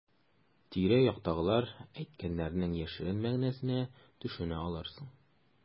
Тирә-яктагылар әйткәннәрнең яшерен мәгънәсенә төшенә алырсың.